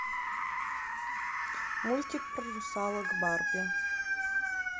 мультик про русалок барби